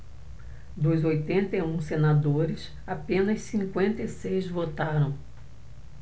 dos oitenta e um senadores apenas cinquenta e seis votaram